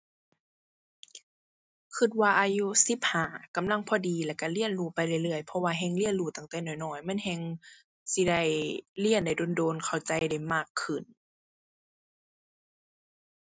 คิดว่าอายุสิบห้ากำลังพอดี แล้วคิดเรียนรู้ไปเรื่อยเรื่อย เพราะว่าแฮ่งเรียนรู้ตั้งแต่น้อยน้อย มันแฮ่งสิได้เรียนได้โดนโดน เข้าใจได้มากขึ้น